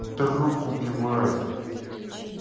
друг убивай